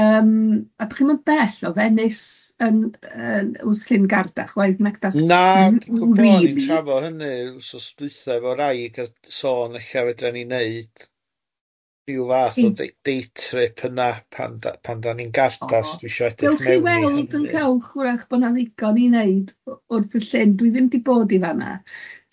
Yym a dach chi'm yn bell, o Venice yn yy yn wth Llyn Garda chwaith nac dach? Na, dwi'n gwybod, o'n i'n trafod hynny wythnos dwytha efo raig- sôn ella fedra ni neud rhyw fath o dde- day trip yna pan da- pan dan ni'n gardas dwi isio edrych mewn i... Oh gewch chi weld yn cewch wrach bod hwnna'n ddigon i wneud wrth y llyn, dwi ddim wedi bod i fan'na.